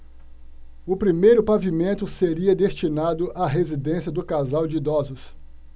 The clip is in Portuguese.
o primeiro pavimento seria destinado à residência do casal de idosos